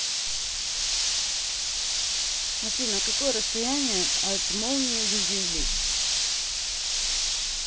афина какое расстояние от молнии до земли